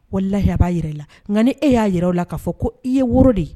Walahi b'a jira e la nka ni e y'a jira la k'a fɔ ko e ye woro de ye